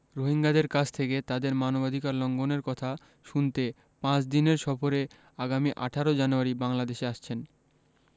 রোহিঙ্গাদের কাছ থেকে তাদের মানবাধিকার লঙ্ঘনের কথা শুনতে পাঁচ দিনের সফরে আগামী ১৮ জানুয়ারি বাংলাদেশে আসছেন